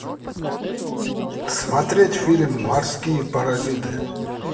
смотреть фильм морские паразиты